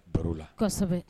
Baro la kosɛbɛ